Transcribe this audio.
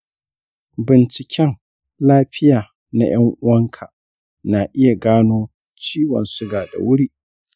binciken lafiya na ’yan’uwanka na iya gano ciwon suga da wuri.